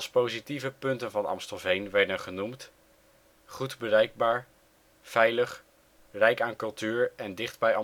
positieve punten van Amstelveen werden genoemd: goed bereikbaar, veilig, rijk aan cultuur en dicht bij